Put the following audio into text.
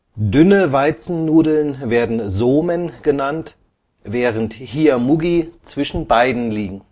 Dünne Weizennudeln werden Sōmen genannt, während Hiyamugi zwischen beiden liegen